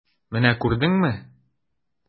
Менә күрдеңме!